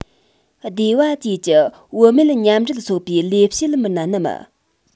སྡེ བ བཅས ཀྱི བུད མེད མཉམ འབྲེལ ཚོགས པའི ལས བྱེད མི སྣ རྣམས